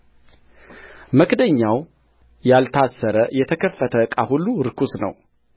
መክደኛው ያልታሰረ የተከፈተ ዕቃ ሁሉ ርኩስ ነው